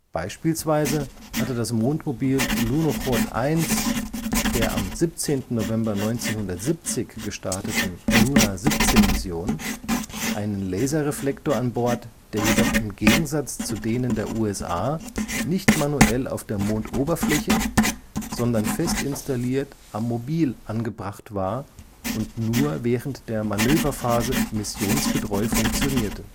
Beispielsweise hatte das Mondmobil Lunochod 1 der am 17. November 1970 gestarteten Luna-17-Mission einen Laserreflektor an Bord, der jedoch im Gegensatz zu denen der USA nicht manuell auf der Mondoberfläche, sondern fest installiert am Mobil angebracht war und nur während der Manöverphase missionsgetreu funktionierte